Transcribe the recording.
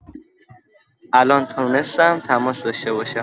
الان تونستم تماس داشته باشم.